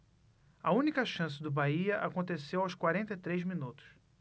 a única chance do bahia aconteceu aos quarenta e três minutos